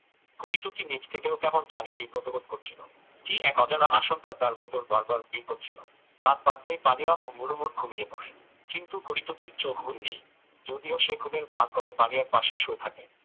করিটুকি নিজ থেকেও কেমন জানি বিব্রতবোধ করছিল কী এক অজানা আশঙ্কা তার ভেতর বারবার ভিড় করছিল রাত বাড়তেই পানিয়া ও মুড়মুড় ঘুমিয়ে পড়ে কিন্তু করিটুকির চোখ ঘুম নেই যদিও সে ঘুমের ভান করে পানিয়ার পাশে শুয়ে থাকে